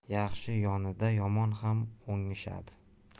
yaxshi yonida yomon ham o'ngishadi